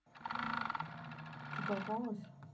ты попалась